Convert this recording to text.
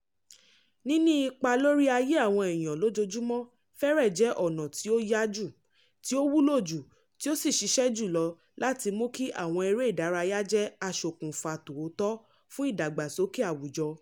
Níní ipa lórí ayé àwọn èèyàn lójoojúmọ́ fẹ́rẹ̀ jẹ́ ọ̀nà tí ó yá jù, tí ó wúlò jù, tí ó sì ṣiṣẹ́ jùlọ láti mú kí àwọn eré ìdárayá jẹ́ aṣokùnfà tòótọ́ fún ìdàgbàsókè àwùjọ.